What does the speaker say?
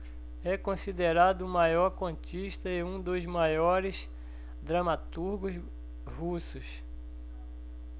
é considerado o maior contista e um dos maiores dramaturgos russos